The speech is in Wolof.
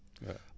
waaw